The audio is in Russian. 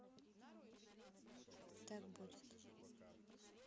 так будет